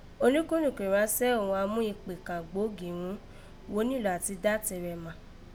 Olukúlukù ìránṣẹ́ òghun a mú ìkpè kàn gbòógì ghún, wo nílò àti dá tè rẹ mà